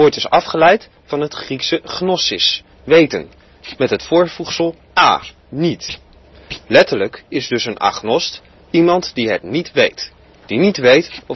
is afgeleid van het Griekse gnosis (weten) met het voorvoegsel a (niet). Letterlijk is dus een agnost " iemand die (het) niet weet ", die niet weet